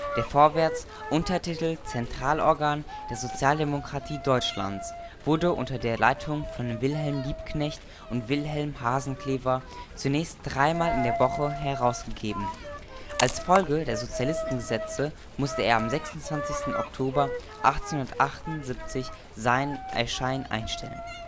Der Vorwärts (Untertitel Central-Organ der Sozialdemokratie Deutschlands) wurde unter der Leitung von Wilhelm Liebknecht und Wilhelm Hasenclever zunächst dreimal in der Woche herausgegeben. Als Folge der Sozialistengesetze muss er am 26. Oktober 1878 sein Erscheinen einstellen